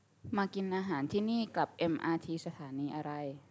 มากินอาหารที่นี่กลับเอมอาทีสถานีอะไร